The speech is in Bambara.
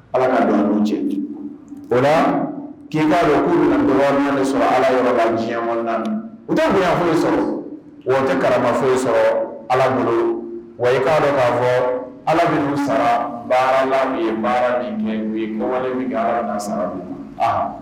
Ala ka don cɛ o la k kin k'a dɔn k'u sɔrɔ ala yɔrɔ diɲɛ mɔn na u taa bonya foyi sɔrɔ wa tɛ kara foyi sɔrɔ alagolo wa k'a dɔn b'a fɔ ala minnu sara baara la ye baara ni kɛ u ye kɛ sara